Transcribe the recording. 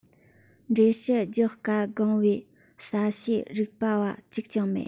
འགྲེལ བཤད རྒྱག དཀའ དགོངས པའི ས གཤིས རིག པ བ གཅིག ཀྱང མེད